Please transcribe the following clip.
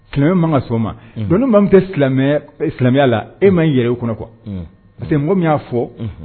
Silamɛ man ka sɔn o ma, donc ni maa min tɛ silamɛya la e man k'i yɛrɛ ye o kɔnɔ quoi, parce que mɔgɔ min y'a fɔ